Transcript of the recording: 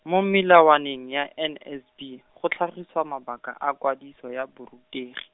mo melawaneng ya N S B, go tlhagisiwa mabaka a kwadiso ya borutegi.